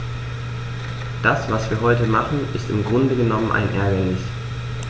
Das, was wir heute machen, ist im Grunde genommen ein Ärgernis.